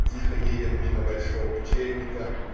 Тихо едем мимо большого пчельника.